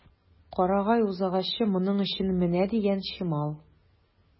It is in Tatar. Карагай үзагачы моның өчен менә дигән чимал.